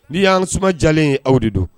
Ni y'an sumajalen ye aw de don